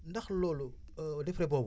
ndax loolu nefere boobu